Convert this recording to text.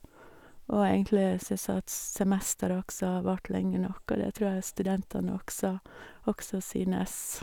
Og egentlig syns jeg at s semesteret også har vart lenge nok, og det tror jeg studentene også også synes.